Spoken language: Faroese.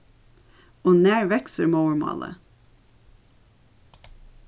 og nær veksur móðurmálið